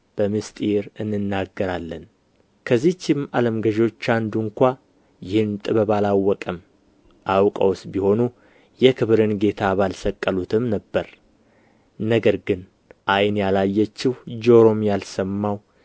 በምሥጢር እንናገራለን ከዚችም ዓለም ገዦች አንዱ እንኳ ይህን ጥበብ አላወቀም አውቀውስ ቢሆኑ የክብርን ጌታ ባልሰቀሉትም ነበር ነገር ግን ዓይን ያላየችው ጆሮም ያልሰማው